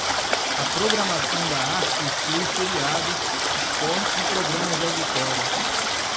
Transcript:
a programação da arte exclui seriados esportes e programas de auditório